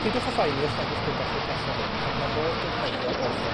Pidwch â phoeni os nag o's gyda chi'r pethe hyn, achos ma' modd defnyddio offer